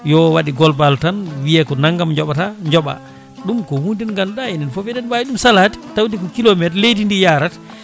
o waɗe globale tan wiiye ko naggam jooɓata jooɓa ɗum ko hunde nde ganduɗa enen foof eɗen wawi ɗum salade tawde ko kilométre leydi ndi yarata